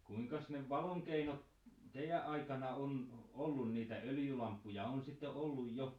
kuinkas ne valonkeinot teidän aikana on ollut niitä öljylamppuja on sitten ollut jo